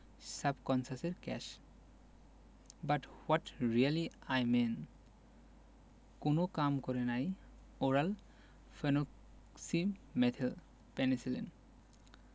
সাবকন্সাসের case but what really I mean কোন কাম করে নাই ওরাল ফেনোক্সিমেথিল পেনিসিলিন